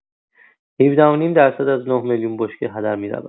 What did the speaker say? ۱۷ و نیم درصد از ۹ میلیون بشکه هدر می‌رود.